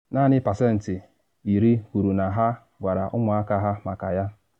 Naanị pasentị 10 kwuru na ha gwara ụmụaka ha maka ya.